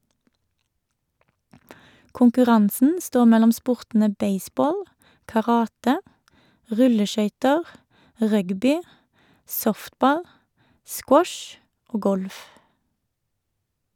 Konkurransen står mellom sportene baseball , karate , rulleskøyter, rugby , softball , squash og golf.